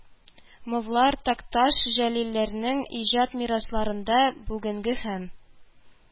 Мовлар, такташ, җәлилләрнең иҗат мирасларында бүгенге һәм